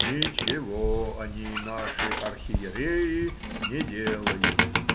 Ничего они, наши архиереи, не делают.